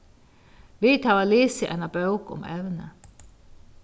vit hava lisið eina bók um evnið